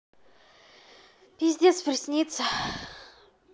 пиздец присница